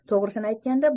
to'g'risini aytganda